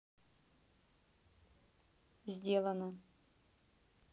сделано